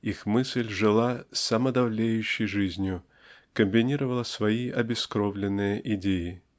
их мысль жила самодовлеющей жизнью -- комбинировала свои обескровленные идеи.